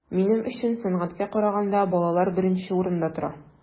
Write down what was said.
Минем өчен сәнгатькә караганда балалар беренче урында тора.